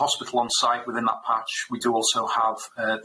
a hospital on site within that patch we do also have yy